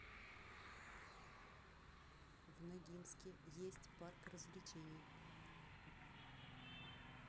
в ногинске есть парк развлечений